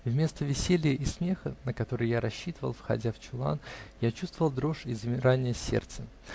Вместо веселия и смеха, на которые я рассчитывал, входя в чулан, я чувствовал дрожь и замирание сердца.